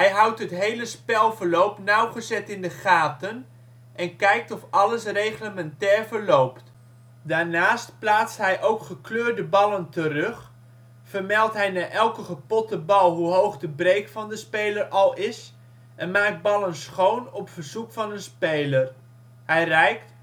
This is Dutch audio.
houdt het hele spelverloop nauwgezet in de gaten en kijkt of alles reglementair verloopt. Daarnaast plaatst hij ook gekleurde ballen terug, vermeldt hij na elke gepotte bal hoe hoog de break van de speler al is en maakt ballen schoon op verzoek van een speler. Hij reikt